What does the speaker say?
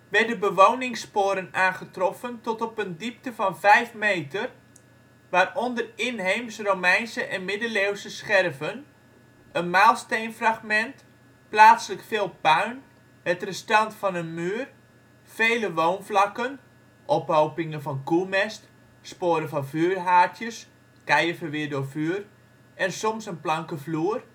werden bewoningsporen aangetroffen tot op een diepte van 5 meter, waaronder inheems Romeinse en middeleeuwse scherven, een maalsteenfragment, plaatselijk veel puin, het restant van een muur, vele woonvlakken (ophopingen van koemest, sporen van vuurhaardjes (keien verweerd door vuur) en soms een planken vloer